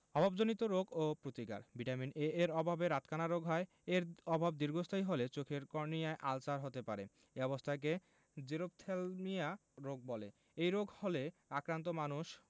অভাবজনিত রোগ ও প্রতিকার ভিটামিন এ এর অভাবে রাতকানা রোগ হয় এর অভাব দীর্ঘস্থায়ী হলে চোখের কর্নিয়ায় আলসার হতে পারে এ অবস্থাকে জেরপ্থ্যালমিয়া রোগ বলে এই রোগ হলে আক্রান্ত মানুষ